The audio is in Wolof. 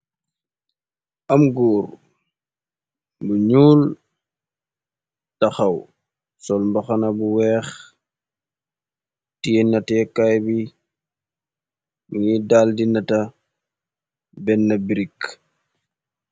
Am góor bu ñuul taxaw sol mbaxana bu weex tienatekaay bi ngiy dal di nata benn brikk.